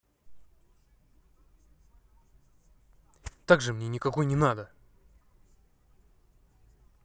также мне никакой не надо